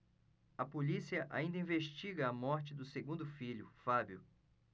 a polícia ainda investiga a morte do segundo filho fábio